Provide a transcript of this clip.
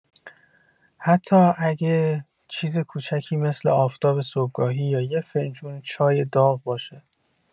حتی اگه چیز کوچیکی مثل آفتاب صبحگاهی یا یه فنجون چای داغ باشه.